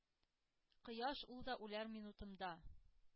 Кояш... ул да үләр минутымда